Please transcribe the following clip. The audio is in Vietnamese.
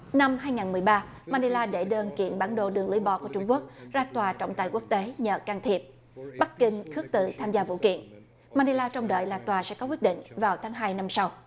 năm hai ngàn mười ba ma ni la để đơn kiện bản đồ đường lưỡi bò của trung quốc ra tòa trọng tài quốc tế nhờ can thiệp bắc kinh khước từ tham gia vụ kiện ma ni la trông đợi là tòa sẽ có quyết định vào tháng hai năm sau